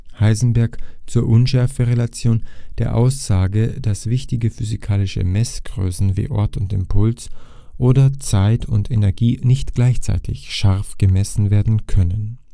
Heisenberg zur Unschärferelation – der Aussage, dass wichtige physikalische Messgrößen wie Ort und Impuls (oder Zeit und Energie) nicht gleichzeitig scharf gemessen werden können